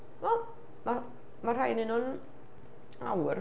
Wel, ma' ma' rhai ohonyn nhw'n awr.